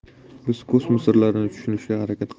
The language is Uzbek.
biz kosmos sirlarini tushunishga harakat qilmoqdamiz